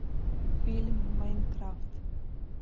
фильм майнкрафт